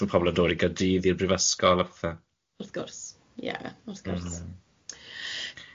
Achos ma' pobol yn dod i Gaerdydd i'r Brifysgol a phethe .